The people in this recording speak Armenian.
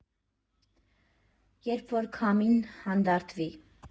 Երբ որ քամին հանդարտվի։